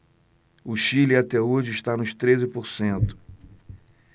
o chile até hoje está nos treze por cento